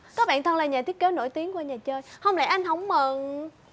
có bạn thân là nhà thiết kế nổi tiếng qua nhà chơi hông lẽ anh hông mừng